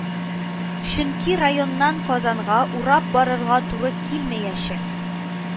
Чөнки районнан Казанга урап барырга туры килмәячәк